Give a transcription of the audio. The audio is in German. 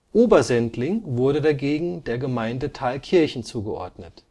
Obersendling wurde dagegen der Gemeinde Thalkirchen zugeordnet